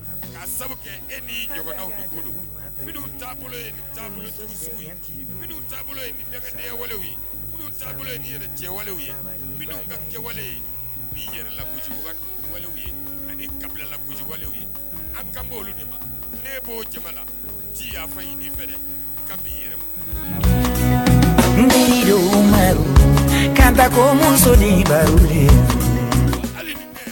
Walewale ani kabilala an olu' fɛ ko